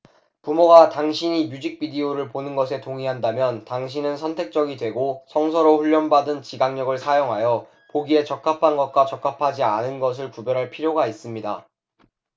부모가 당신이 뮤직 비디오를 보는 것에 동의한다면 당신은 선택적이 되고 성서로 훈련받은 지각력을 사용하여 보기에 적합한 것과 적합하지 않은 것을 구별할 필요가 있습니다